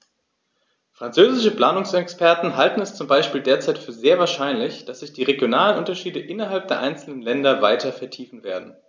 Französische Planungsexperten halten es zum Beispiel derzeit für sehr wahrscheinlich, dass sich die regionalen Unterschiede innerhalb der einzelnen Länder weiter vertiefen werden.